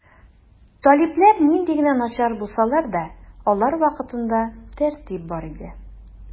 Талиблар нинди генә начар булсалар да, алар вакытында тәртип бар иде.